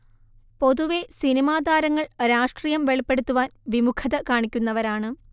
പൊതുവെ സിനിമാതാരങ്ങൾ രാഷ്ട്രീയം വെളിപ്പെടുത്തുവാൻ വിമുഖത കാണിക്കുന്നവരാണ്